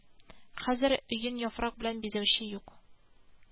Аңа матур шигырь генә кирәк булган.